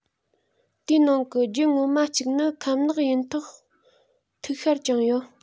དེའི ནང གི རྒྱུད ངོ མ གཅིག ནི ཁམ ནག ཡིན ཐོག ཐིག ཤར ཀྱང ཡོད